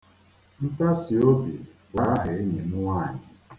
Ntasiobi bụ aha enyi m nwanyị.